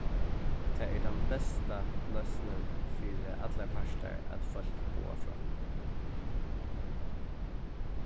tað er tann besta loysnin fyri allar partar at fólk boða frá